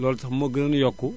loolu sax moo gënoon yokku